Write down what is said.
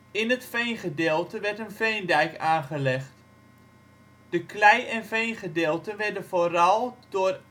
In het veengedeelte werd een veendijk aangelegd. De klei en veengedeelten werden vooral door